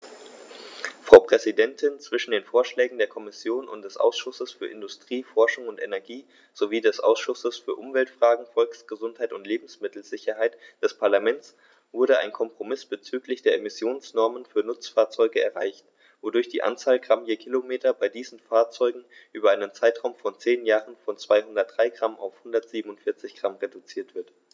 Frau Präsidentin, zwischen den Vorschlägen der Kommission und des Ausschusses für Industrie, Forschung und Energie sowie des Ausschusses für Umweltfragen, Volksgesundheit und Lebensmittelsicherheit des Parlaments wurde ein Kompromiss bezüglich der Emissionsnormen für Nutzfahrzeuge erreicht, wodurch die Anzahl Gramm je Kilometer bei diesen Fahrzeugen über einen Zeitraum von zehn Jahren von 203 g auf 147 g reduziert wird.